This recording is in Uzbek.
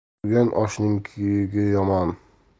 ko'rgan oshning kuyugi yomon